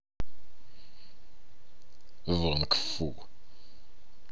вонг фу